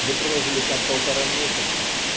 Мы прожили там полтора месяца.